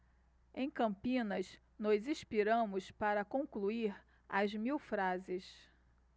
em campinas nos inspiramos para concluir as mil frases